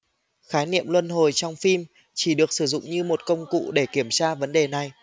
khái niệm luân hồi trong phim chỉ được sử dụng như một công cụ để kiểm tra vấn đề này